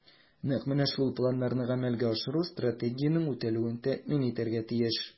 Нәкъ менә шул планнарны гамәлгә ашыру Стратегиянең үтәлүен тәэмин итәргә тиеш.